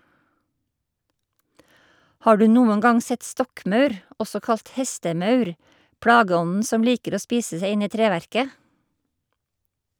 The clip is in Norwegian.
Har du noen gang sett stokkmaur , også kalt hestemaur, plageånden som liker å spise seg inn i treverket?